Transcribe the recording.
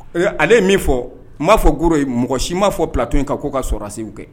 Ɛɛ, ale ye min fɔ, n b'a fɔ Goro ye, maa si m'a fɔ ko ka plateau in kan ko ka sɔrɔrasiws gɛn